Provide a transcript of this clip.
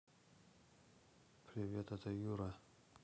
привет это юра